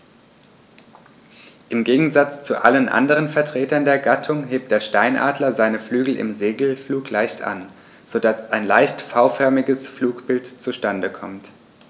Im Gegensatz zu allen anderen Vertretern der Gattung hebt der Steinadler seine Flügel im Segelflug leicht an, so dass ein leicht V-förmiges Flugbild zustande kommt.